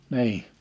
niin